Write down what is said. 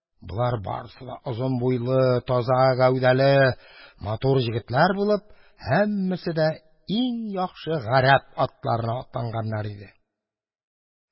Болар барысы да озын буйлы, таза гәүдәле матур егетләр булып, һәммәсе дә иң яхшы гарәп атларына атланганнар иде.